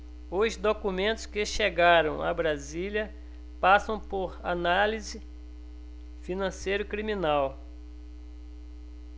os documentos que chegaram a brasília passam por análise financeira e criminal